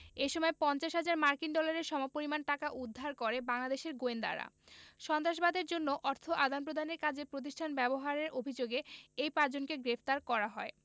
এ সময় ৫০ হাজার মার্কিন ডলারের সমপরিমাণ টাকা উদ্ধার করে বাংলাদেশের গোয়েন্দারা সন্ত্রাসবাদের জন্য অর্থ আদান প্রদানের কাজে প্রতিষ্ঠান ব্যবহারের অভিযোগে এই পাঁচজনকে গ্রেপ্তার করা হয়